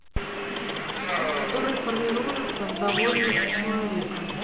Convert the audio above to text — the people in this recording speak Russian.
которые формируются в довольных человека